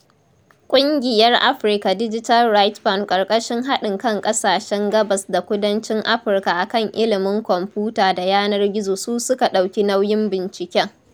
ƙungiyar Africa Digital Rights Fund ƙarƙashin haɗin kan ƙasashen gabas da kudancin Afirka a kan ilimin kwamfuta da yanar gizo su suka ɗauki nauyin binciken.